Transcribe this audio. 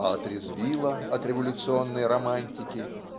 а отрезвило от революционной романтики